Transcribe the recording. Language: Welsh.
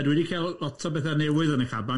Dwi wedi cael lot o bethau newydd yn y caban.